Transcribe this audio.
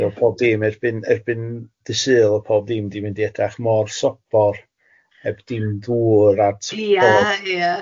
Fel pob dim erbyn erbyn dydd Sul, pob ddim wedi mynd i edrych mor sobor heb dim dŵr ar tyffod... Ia ia.